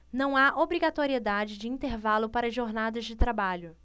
não há obrigatoriedade de intervalo para jornadas de trabalho